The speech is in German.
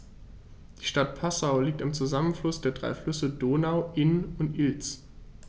Die Stadt Passau liegt am Zusammenfluss der drei Flüsse Donau, Inn und Ilz.